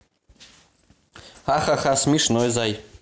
ахаха смешной зай